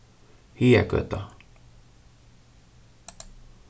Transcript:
hagagøta